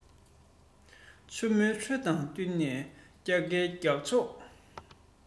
ཆུ མོའི འགྲོས དང བསྟུན ནས སྐྱ བའི རྒྱག ཕྱོགས